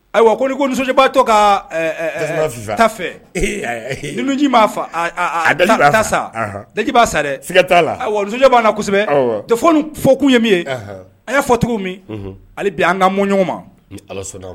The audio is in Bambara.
Ayiwa ko n'i ko nisɔnba to ka ta fifa fiɲɛ ni nun j,ɛ hen, i ma sa daji b'a sa sika t'a la, a nisɔn diya bɛ an na, ayiwa, ko ninnu fɔ kun ye mun ye hali bi an k'an mon ɲɔgɔn ma, ni ajjah sɔnn'amon